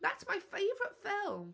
That's my favourite film.